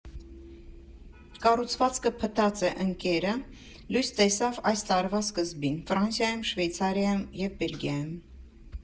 «Կառուցվածքը փտած է, ընկեր»֊ը լույս տեսավ այս տարվա սկզբին՝ Ֆրանսիայում, Շվեյցարիայում և Բելգիայում։